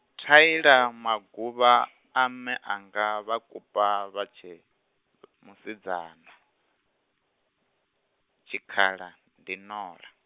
thai ḽa maguvha, a mme a nga vha kupa, vha tshe musidzana, tshikhaḽa ndi ṋola.